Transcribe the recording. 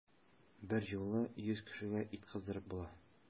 Берьюлы йөз кешегә ит кыздырып була!